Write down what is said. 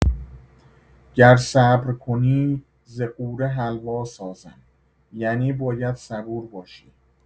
گر صبر کنی ز غوره حلوا سازم، یعنی باید صبور باشی.